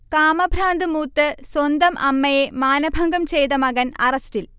കാമഭ്രാന്ത് മൂത്ത് സ്വന്തം അമ്മയെ മാനഭംഗം ചെയ്ത മകൻ അറസ്റ്റിൽ